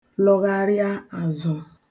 lọgharịa āzụ̄